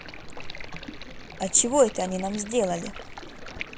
а чего это они нам сделали